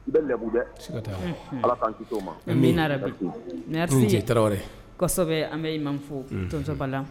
Bɛ ala ne'asɔ an bɛ i manfosɔba la